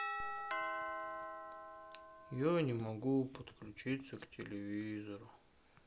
я не могу подключиться к телевизору